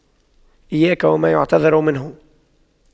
إياك وما يعتذر منه